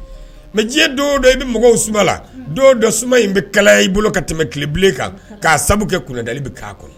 Mɛ diɲɛ do dɔ i bɛ mɔgɔw do dɔ suma in bɛ kala i bolo ka tɛmɛ tileb kan ka sabu kɛ kunda kɔnɔ